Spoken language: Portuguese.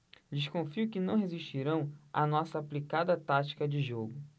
desconfio que não resistirão à nossa aplicada tática de jogo